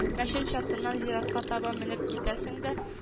Мәчет чатыннан зиратка таба менеп китәсең дә